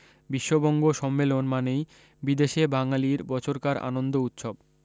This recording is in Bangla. বিশ্ববঙ্গ সম্মেলন মানেই বিদেশে বাঙালির বছরকার আনন্দ উৎসব